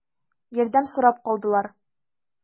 Ярдәм сорап калдылар.